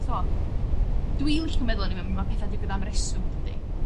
t'mo? Dwi licio meddwl ma' petha' digwydd am reswm tydi?